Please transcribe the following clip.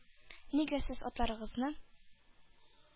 -нигә сез атларыгызны